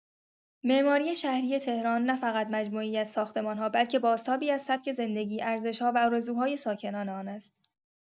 معماری شهری تهران نه‌فقط مجموعه‌ای از ساختمان‌ها، بلکه بازتابی از سبک زندگی، ارزش‌ها و آرزوهای ساکنان آن است.